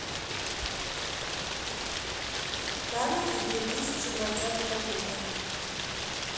комедии две тысячи двадцатого года